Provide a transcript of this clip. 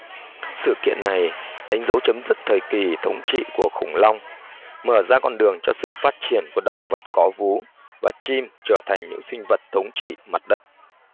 sự kiện này đánh dấu chấm dứt thời kì thống trị của khủng long mở ra con đường cho sự phát triển của động vật có vú và chim trở thành những sinh vật thống trị mặt đất